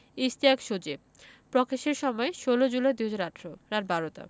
ইশতিয়াক সজীব প্রকাশের সময় ১৬ জুলাই ২০১৮ রাত ১২টা